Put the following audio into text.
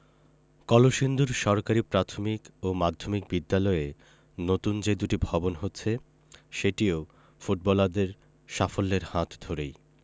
কলসিন্দুর সরকারি প্রাথমিক ও মাধ্যমিক বিদ্যালয়ে নতুন যে দুটি ভবন হচ্ছে সেটিও ফুটবলারদের সাফল্যের হাত ধরেই